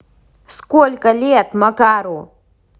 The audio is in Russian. сколько лет макару